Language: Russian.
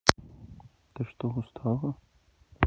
ты что устала